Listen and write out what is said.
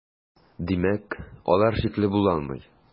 Димәк, алар шикле була алмый.